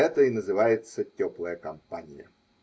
Это и называется теплая компания.